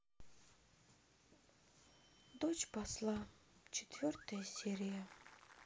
дочь посла четвертая серия